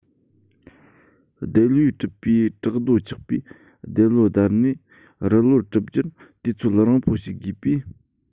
རྡེལ བུས གྲུབ པའི བྲག རྡོ ཆགས པའི རྡེལ བུ བརྡར ནས རིལ བུར གྲུབ རྒྱུར དུས ཚོད རིང པོ ཞིག དགོས པས